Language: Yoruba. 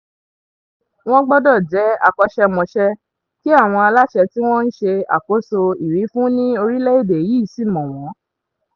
Wọ́n gbọdọ̀ jẹ́ akọ́ṣẹ́mọṣẹ́ kí àwọn aláṣẹ tí wọ́n ń ṣe àkóso ìwífún ní orílẹ̀-èdè yìí sì mọ̀ wọ́n.